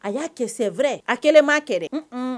A y'a cɛsɛfɛrɛ a kɛlen ma kɛ